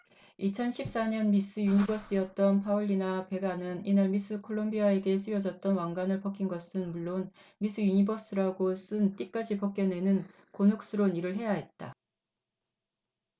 이천 십 사 년 미스 유니버스였던 파울리나 베가는 이날 미스 콜롬비아에게 씌워줬던 왕관을 벗긴 것은 물론 미스 유니버스라고 쓴 띠까지 벗겨내는 곤혹스런 일을 해야 했다